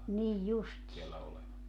niin justiin